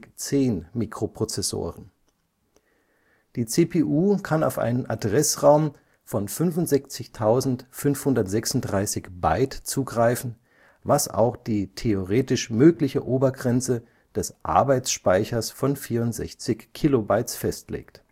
6510-Mikroprozessoren. Die CPU kann auf einen Adressraum von 65536 Byte zugreifen, was auch die theoretisch mögliche Obergrenze des Arbeitsspeichers von 64 Kilobytes (KB) festlegt